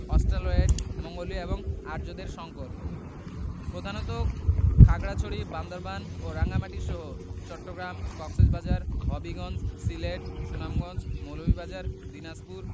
Australoid মঙ্গোলীয় এবং আর্যদের সংকর প্রধানত খাগড়াছড়ি বান্দরবান ও রাঙ্গামাটিসহ চট্টগ্রাম কক্সবাজার হবিগঞ্জ সিলেট সুনামগঞ্জ মৌলভীবাজার দিনাজপুর